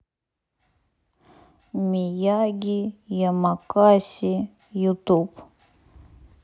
мияги ямакаси ютуб